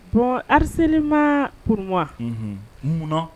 Bɔn harcellement pou moi mun na ?